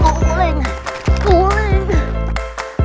cố lên cố lên